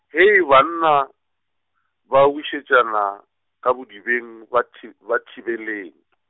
Hei banna, ba wišetšana, ka bodibeng ba thi-, ba thibeleng .